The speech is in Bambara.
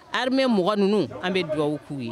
Hamɛ m ninnu an bɛ dugawwababu'u ye